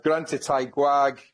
Yy grant y tai gwag.